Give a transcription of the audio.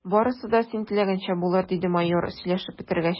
Барысы да син теләгәнчә булыр, – диде майор, сөйләшеп бетергәч.